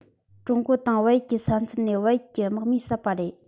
ཀྲུང གོ དང བལ ཡུལ གྱི ས མཚམས ནས བལ ཡུལ གྱི དམག མིས བསད པ རེད